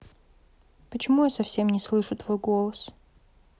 почему я совсем не слышу твой голос